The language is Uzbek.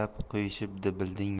atab qo'yishibdi bildingmi